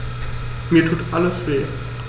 Mir tut alles weh.